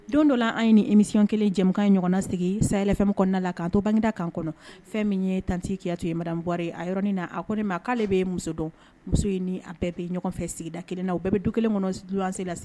Don dɔ la an ye nin émission kelen jɛmukan in ɲɔgɔn na sigi Sahɛli F M kɔnɔna la kan to bangineda camp kɔnɔ . Fɛn min ye Tante kiyatu ye madame Bouare a yɔrɔ nin na a ko ma kale bɛ muso dɔn muso in ni a bɛɛ bɛ ɲɔgɔn fɛ sigida kelen na u bɛɛ bɛ du kelen kɔnɔ luwanse la.